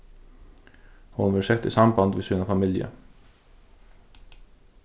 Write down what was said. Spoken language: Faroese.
hon verður sett í samband við sína familju